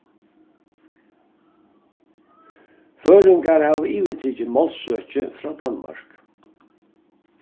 føroyingar hava yvirtikið málsøki frá danmark